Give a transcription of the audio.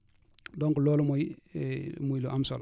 donc loolu mooy muy lu am solo